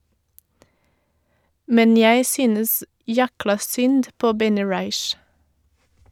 Men jeg synes "jækla" synd på Benny Raich.